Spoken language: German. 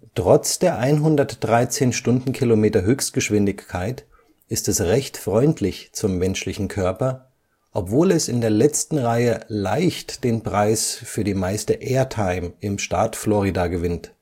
Trotz der 113 km/h Höchstgeschwindigkeit ist es recht freundlich zum menschlichem Körper, obwohl es in der letzten Reihe leicht den Preis für die meiste Airtime im Staat Florida gewinnt